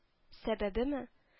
Сәбәбеме